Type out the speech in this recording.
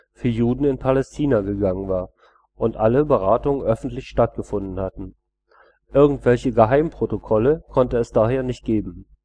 für Juden in Palästina gegangen war und alle Beratungen öffentlich stattgefunden hatten. Irgendwelche Geheimprotokolle konnte es daher nicht geben